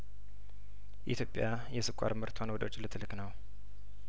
ኢትዮጵያየስኳርምርትዋን ወደ ውጭ ልት ልክ ነው